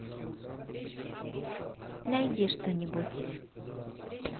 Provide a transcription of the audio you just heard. найди что нибудь